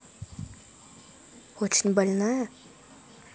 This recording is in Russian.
очень больная